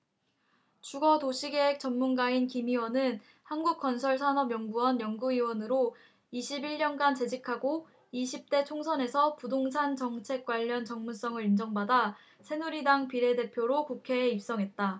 주거 도시계획 전문가인 김 의원은 한국건설산업연구원 연구위원으로 이십 일 년간 재직하고 이십 대 총선에서 부동산 정책 관련 전문성을 인정받아 새누리당 비례대표로 국회에 입성했다